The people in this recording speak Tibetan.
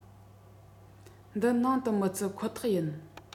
དི ནང དུ མི བརྩི ཁོ ཐག ཡིན